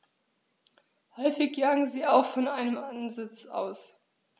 Häufig jagen sie auch von einem Ansitz aus.